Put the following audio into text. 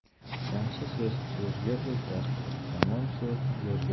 yaxshi so'z to'rga eltar yomon so'z go'rga